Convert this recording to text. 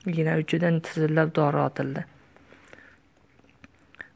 igna uchidan tizillab dori otildi